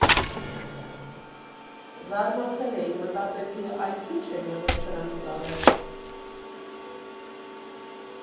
«Զարմացել էի, մտածեցի՝ այդ ի՞նչ է եղել սրանից առաջ…